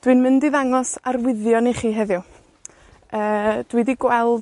Dw i'n mynd i ddangos arwyddion i chi heddiw. Yy dwi 'di gweld